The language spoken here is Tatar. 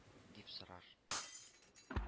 – дип сорар